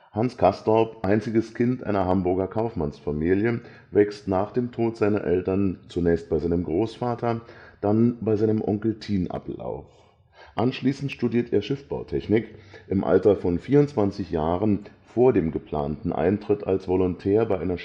Hans Castorp, einziges Kind einer Hamburger Kaufmannsfamilie, wächst nach dem Tod seiner Eltern zunächst bei seinem Großvater, dann bei seinem Onkel Tienappel auf. Anschließend studiert er Schiffbautechnik. Im Alter von 24 Jahren, vor dem geplanten Eintritt als Volontär bei einer Schiffswerft